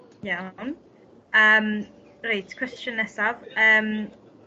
Iawn yym reit cwestiwn nesaf yym